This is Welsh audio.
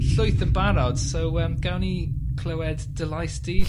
llwyth yn barod so yym gawn ni clywed dy lais di...